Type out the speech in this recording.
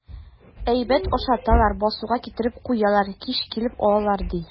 Әйбәт ашаталар, басуга китереп куялар, кич килеп алалар, ди.